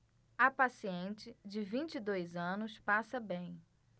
a paciente de vinte e dois anos passa bem